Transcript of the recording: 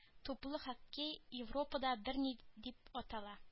Туплы хоккей европада бенди дип атала